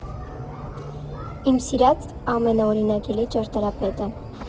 Իմ սիրած ամենաօրինակելի ճարտարապետը…